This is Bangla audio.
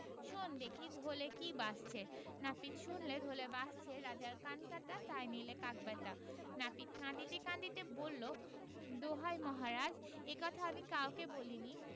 শোন দেখি ঢোলে কী বাজছে নাপিত শুনলে ঢোলে বাজছে ‘রাজার কান কাটা তাই নিলে কাক ব্যাটা নাপিত কঁদিতে কঁদিতে বললেদোহাই মহারাজ এ কথা আমি কাউকে বলিনি